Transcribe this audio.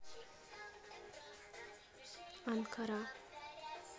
анкара